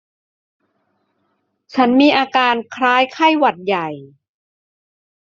ฉันมีอาการคล้ายไข้หวัดใหญ่